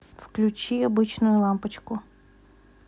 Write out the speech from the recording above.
включи обычную лампочку